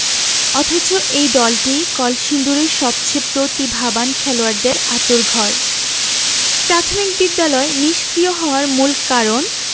অথচ এই দলটিই কলসিন্দুরের সবচেয়ে প্রতিভাবান খেলোয়াড়দের আঁতুড়ঘর প্রাথমিক বিদ্যালয় নিষ্ক্রিয় হওয়ার মূল কারণ